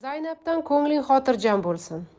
zaynabdan ko'ngling xotirjam bo'lsin